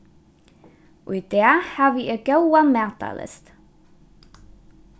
í dag havi eg góðan matarlyst